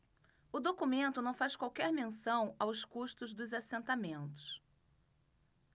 o documento não faz qualquer menção aos custos dos assentamentos